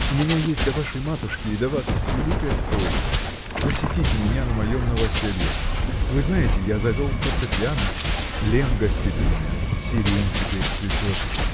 -- У меня есть до вашей матушки и до вас великая просьба: посетите меня на моем новоселье. Вы знаете, я завел фортепьяно Лемм гостит у меня сирень теперь цветет